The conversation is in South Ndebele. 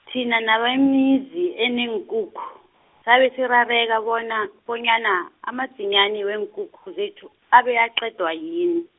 thina nabemizi eneenkukhu, sabe sirareka bona, bonyana, amadzinyani weenkukhu, zethu, abe aqedwa yini.